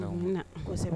Munna kɔ kosɛbɛ